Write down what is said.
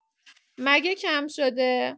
مگه کم شده؟